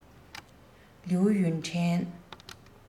ལིའུ ཡུན ཧྲན